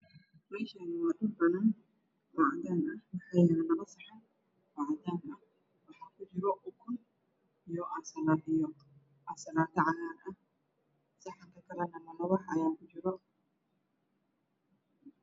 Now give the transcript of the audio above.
Meeshaan waa dhul banaan oo cagaaran waxaa yaala labo saxan oo cadaan ah waxaa ku jira ukun iyo an salaato cagaar ah saxanka kalane malawax ayaa ku jira.